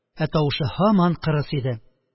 Ә тавышы һаман кырыс иде